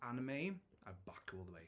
Anna-May, I'll back you all the way.